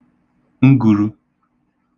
ngūrū